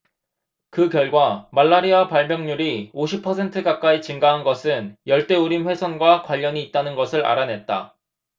그 결과 말라리아 발병률이 오십 퍼센트 가까이 증가한 것은 열대 우림 훼손과 관련이 있다는 것을 알아냈다